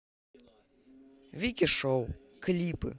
вики шоу клипы